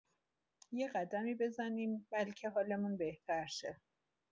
یه قدمی بزنیم بلکه حالمون بهتر شه!